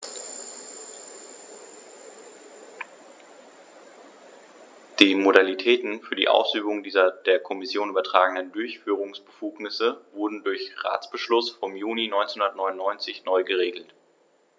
Die Modalitäten für die Ausübung dieser der Kommission übertragenen Durchführungsbefugnisse wurden durch Ratsbeschluss vom Juni 1999 neu geregelt.